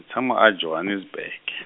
tshama a- Johannesburg.